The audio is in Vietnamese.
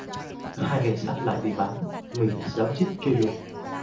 hai cảnh sát lại bị bắn mỹ ráo riết truy lùng